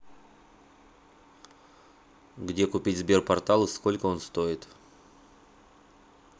где купить sberportal и сколько он стоит